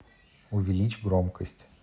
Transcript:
увеличь громкость